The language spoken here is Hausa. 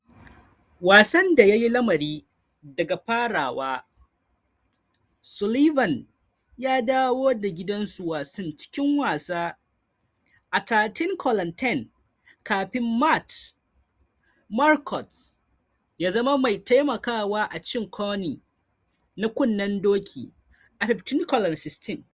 wasan da yayi kamari daga farawa, Sullivan ya dawo da gidan su wasan cikin wasan a 13:10 kafin Matt Marquardt ya zama mai taimakawa a cin Cownie' na kunnen doki a 15:16.